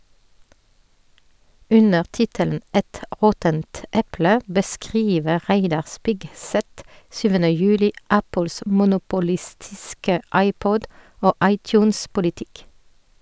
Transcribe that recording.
Under tittelen «Et råttent eple» beskriver Reidar Spigseth 7. juli Apples monopolistiske iPod- og iTunes-politikk.